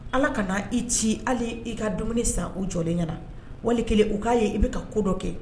Ala ka n i ci hali i ka dumuni san u jɔlen ɲɛna, wali kelen u k'a ye i bɛ ka ko dɔ kɛ